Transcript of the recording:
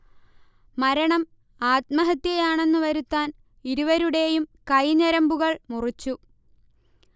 മരണം ആത്മഹത്യയാണെന്ന് വരുത്താൻ ഇരുവരുടെയും കൈഞരമ്പുകൾ മുറിച്ചു